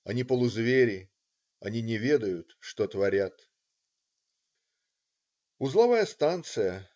Они полузвери, они не ведают, что творят". Узловая станция.